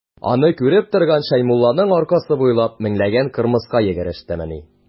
Аны күреп торган Шәймулланың аркасы буйлап меңләгән кырмыска йөгерештемени.